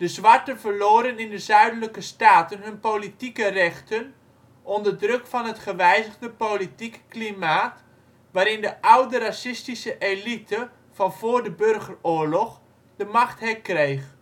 zwarten verloren in de Zuidelijke staten hun politieke rechten onder druk van het gewijzigde politieke klimaat, waarin de oude racistische elite van voor de Burgeroorlog de macht herkreeg